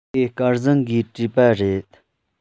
དེ སྐལ བཟང གིས བྲིས པ རེད